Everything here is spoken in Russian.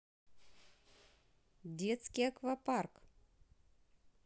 детский аквапарк